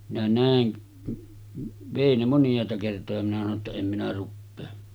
minä näen vei ne moniaita kertoja minä sanoin jotta en minä rupea